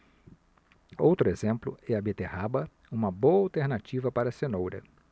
outro exemplo é a beterraba uma boa alternativa para a cenoura